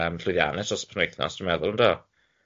yym llwyddiannus dros y penwythnos dwi'n meddwl yndo?